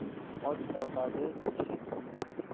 ot topadi eshak yeydi